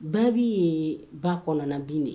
Ba bɛ ye ba kɔnɔna bin de ye